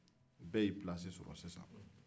u bɛɛ ye pilasi sɔrɔ sisan